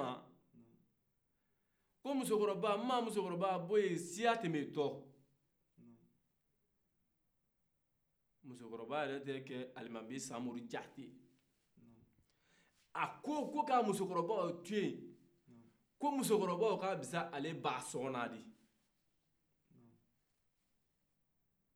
ko musokɔrɔba o ka fisa ale ba sɔkɔna ye a bɔra yen o cɔgɔ k' i sin samaya ma samaya bɛ min